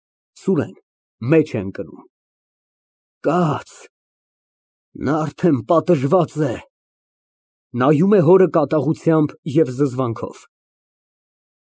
ՍՈՒՐԵՆ ֊ (Մեջ է ընկնում) Կաց, նա արդեն պատժված է։ (Նայում է հորը կատաղությամբ և զզվանքով)։